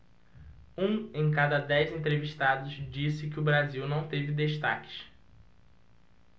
um em cada dez entrevistados disse que o brasil não teve destaques